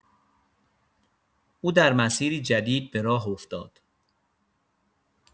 او در مسیری جدید به راه افتاد.